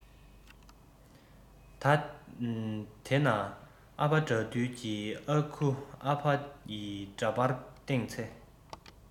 དེ ན ཨ ཕ དགྲ འདུལ གྱི ཨ ཁུ ཨ ཕ ཡི འདྲ པར སྟེང ཚེ